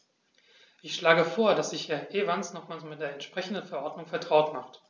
Ich schlage vor, dass sich Herr Evans nochmals mit der entsprechenden Verordnung vertraut macht.